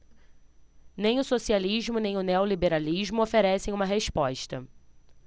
nem o socialismo nem o neoliberalismo oferecem uma resposta